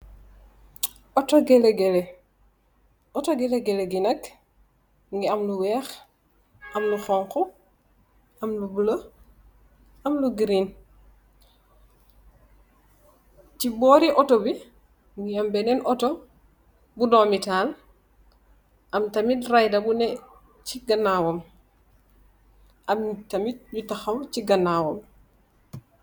Ooto gele gele, ooto gelegele gi nakk, mingi am lu weex, am lu xonxu, am lu bula, am lu green, ci boori ooto bi, mingi am beneen ooto bu domitahal, am tamit ryda bune ci ganaawam, am tamit nyu taxaw ci gannaawam